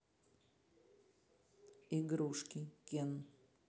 игрушки кен